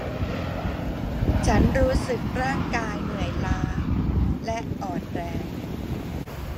ฉันรู้สึกร่างกายเหนื่อยล้าและอ่อนแรง